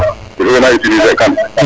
wena utiliser kan